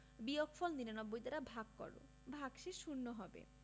বিয়োগফল ৯৯ দ্বারা ভাগ কর ভাগশেষ শূন্য হবে